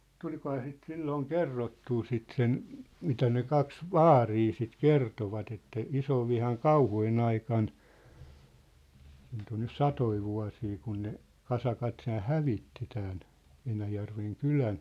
tulikohan sitä silloin kerrottua sitä sen mitä ne kaksi vaaria sitten kertoivat että isonvihan kauhujen aikana siitä on nyt satoja vuosia kun ne kasakat tämän hävitti tämän Enäjärven kylän